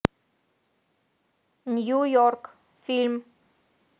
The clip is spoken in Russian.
нью йорк фильм